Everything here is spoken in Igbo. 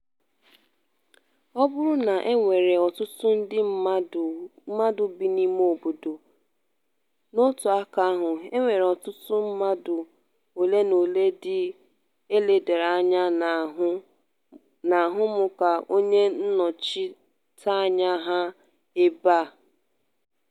Ọ bụrụ na e nwere ọtụtụ ndị mmadụ bi n'imeobodo, n'otu aka ahụ, e nwere ọtụtụ mmadụ ole na ole ndị e ledara anya na-ahụ mụ ka onye nnọchiteanya ha ebe a.